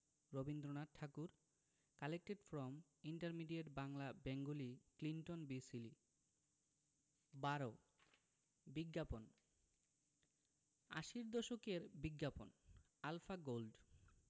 Rabindranath Tagore collected from intermediate Bangla Bengali Clinton B সিলি ১২ বিজ্ঞাপন আশির দশকের বিজ্ঞাপন আলফা গোল্ড